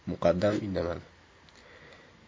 muqaddam indamadi